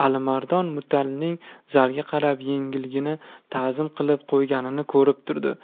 alimardon mutalning zalga qarab yengilgina ta'zim qilib qo'yganini ko'rib turdi